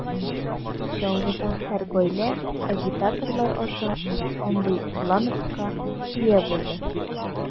Чаллыда һәр гаилә агитаторлар аша шундый бланкка ия булды.